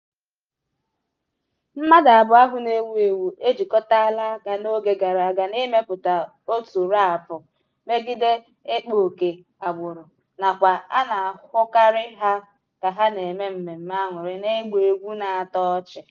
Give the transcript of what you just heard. Mmadụ abụọ ahụ na-ewu ewu ejikọtala aka n'oge gara aga n'imepụta otu raapụ megide ịkpa ókè agbụrụ, nakwa a na-ahụkarị ha ka ha na-eme mmemme aṅurị n'ịgba egwu na-atọ ọchị.